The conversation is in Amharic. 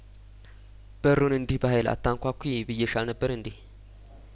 በሩን እንዲህ በሀይል አታንኳኲ ብዬሽ አልነበር እንዴ